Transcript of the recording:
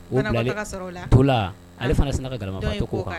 Ko la ale fana sina ka ga